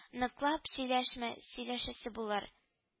Ныклап сөйләшмәс сөйләшәсе булыр